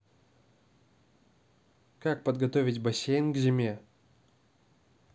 как подготовить бассейн к зиме